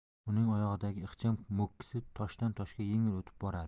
uning oyog'idagi ixcham mo'kkisi toshdan toshga yengil o'tib boradi